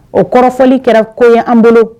O kɔrɔfɔli kɛra ko ye an bolo